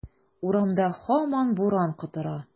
Урамда һаман буран котыра.